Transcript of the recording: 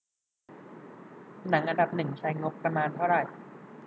หนังอันดับหนึ่งใช้งบประมาณเท่าไหร่